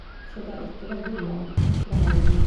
Så det er ikke veldig langt fra Halden.